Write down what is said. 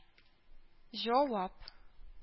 Җавап